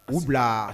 U bila